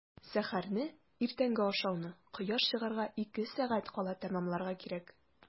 Сәхәрне – иртәнге ашауны кояш чыгарга ике сәгать кала тәмамларга кирәк.